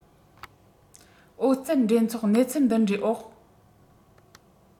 ཨོ རྩལ འགྲན ཚོགས གནས ཚུལ འདི འདྲའི འོག